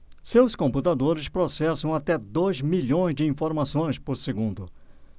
seus computadores processam até dois milhões de informações por segundo